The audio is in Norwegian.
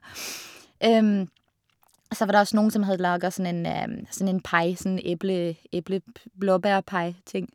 Og så var der også noen som hadde laget sånn en sånn en pai, sånn eple eple p blåbærpai-ting.